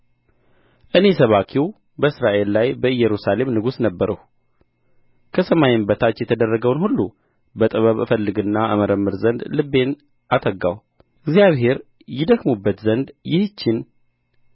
እኔ ሰባኪው በእስራኤል ላይ በኢየሩሳሌም ንጉሥ ነበርሁ ከሰማይም በታች የተደረገውን ሁሉ በጥበብ እፈልግና እመረምር ዘንድ ልቤን አተጋሁ እግዚአብሔር ይደክሙባት ዘንድ ይህችን